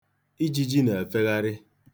Ijiji na-efegharị.